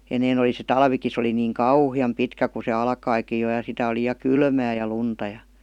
ennen oli se talvikin se oli niin kauhean pitkä kun se alkoikin jo ja sitä oli ja kylmää ja lunta ja